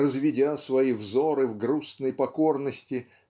разведя свои взоры в грустной покорности